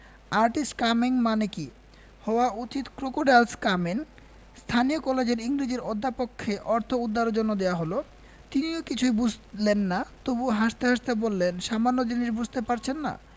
Artist coming মানে কি হওয়া উচিত ক্রোকোডাইল কামিং. স্থানীয় কলেজের ইংরেজীর অধ্যাপককে অর্থ উদ্ধারের জন্য দেয়া হল তিনিও কিছুই বুঝলেন না তবু হাসতে হাসতে বললেন সামান্য জিনিস বুঝতে পারছেন না